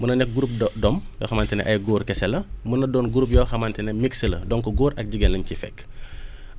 mun na nekk groupe de d' homme yoo xamante ne ay góor kese la munna doon groupes yoo xamante ne mixte la donc góor ak jigéen lañ ciy fekk